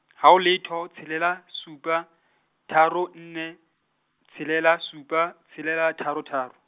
haho letho, tshelela supa, tharo nne, tshelela supa, tshelela tharo tharo.